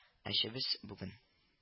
Әчебез бүген